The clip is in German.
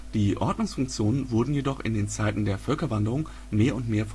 die Ordnungsfunktionen wurden jedoch in den Zeiten der Völkerwanderung mehr und mehr